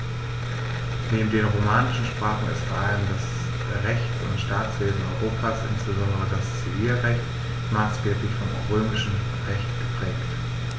Neben den romanischen Sprachen ist vor allem das Rechts- und Staatswesen Europas, insbesondere das Zivilrecht, maßgeblich vom Römischen Recht geprägt.